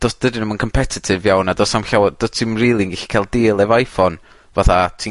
jyst dydyn nw 'im yn competative a do's na'm llawe-... Dw't ti'm rili yn gallu ca'l deal efo Iphone fatha ti'n